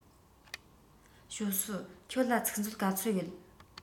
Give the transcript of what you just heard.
ཞའོ སུའུ ཁྱོད ལ ཚིག མཛོད ག ཚོད ཡོད